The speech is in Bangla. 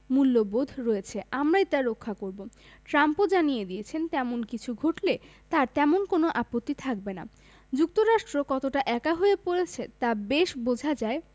মূল্যবোধ রয়েছে আমরাই তা রক্ষা করব ট্রাম্পও জানিয়ে দিয়েছেন তেমন কিছু ঘটলে তাঁর তেমন কোনো আপত্তি থাকবে না যুক্তরাষ্ট্র কতটা একা হয়ে পড়ছে তা বেশ বোঝা যায়